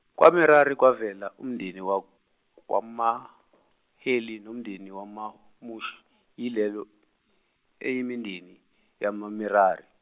kwaMerari kwavela umndeni wa- wamaHeli, nomndeni, wamaMushi yileyo, eyimindeni yamaMerari.